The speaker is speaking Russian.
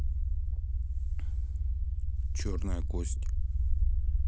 черная кость